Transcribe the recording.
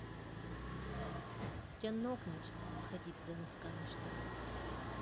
у тебя ног нет сходить за носками что ли